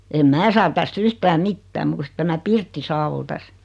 en minä saa tästä yhtään mitään muuta kuin se tämä pirtti saa oli tässä